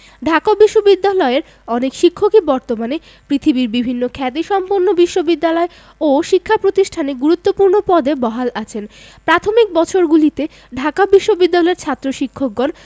ঢাকা বিশ্ববিদ্যালয়ের অনেক শিক্ষকই বর্তমানে পৃথিবীর বিভিন্ন খ্যাতিসম্পন্ন বিশ্ববিদ্যালয় ও শিক্ষা প্রতিষ্ঠানে গুরুত্বপূর্ণ পদে বহাল আছেন প্রাথমিক বছরগুলিতে ঢাকা বিশ্ববিদ্যালয়ের ছাত্র শিক্ষকগণ